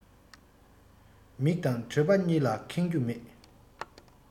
མིག དང གྲོད པ གཉིས ལ ཁེངས རྒྱུ མེད